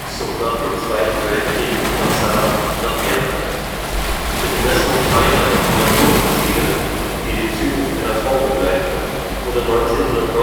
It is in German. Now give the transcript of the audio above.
die Messung feiner Temperaturunterschiede, die den Zyklus einer Frau begleiten, wurde 1959